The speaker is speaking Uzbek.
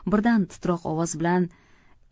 birdan titroq ovoz bilan